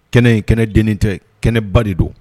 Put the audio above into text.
Kɛnɛ in kɛnɛ den tɛ kɛnɛ ba de don